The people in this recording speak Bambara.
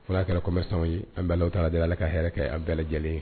F y'a kɛra cobɛn san ye an bɛɛlaw ta dela kaɛ a bɛɛ lajɛlen ye